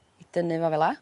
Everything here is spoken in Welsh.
'i dynnu fo fel 'a.